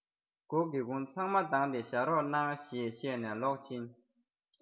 སྒོ སྒེའུ ཁུང ཚང མ གདང སྟེ བཞག རོགས གནང ཞེས བཤད ནས ལོག ཕྱིན